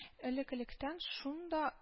Элек-электән шунда